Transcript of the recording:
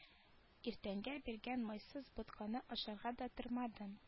Иртәнгә биргән майсыз ботканы ашарга да тормады